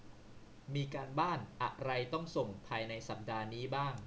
มีการบ้านอะไรต้องส่งภายในสัปดาห์นี้บ้าง